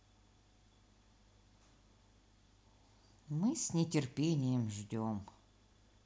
мы с нетерпением ждем